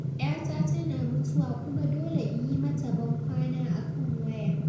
‘ya ta tana mutuwa kuma dole in yi mata bankwana a kan waya